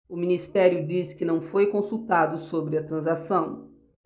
o ministério diz que não foi consultado sobre a transação